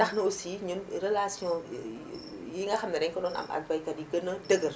tax na aussi ñun relations yi nga xam ne dañu ko doon am ak baykat yi gën a dëgër